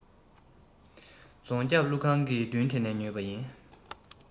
རྫོང རྒྱབ ཀླུ རྒྱབ ཁང གི མདུན དེ ནས ཉོས པ ཡིན